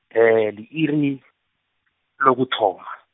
li-iri , lokuthoma.